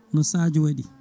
no Sadio waɗi